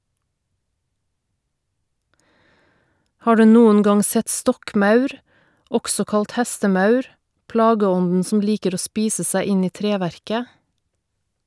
Har du noen gang sett stokkmaur, også kalt hestemaur, plageånden som liker å spise seg inn i treverket?